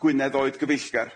Gwynedd oed gyfeillgar,